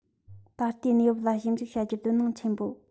ད ལྟའི གནས བབ ལ ཞིབ འཇུག བྱ རྒྱུར དོ སྣང ཆེན པོ